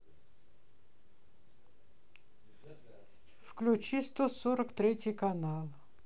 включи сто сорок третий канал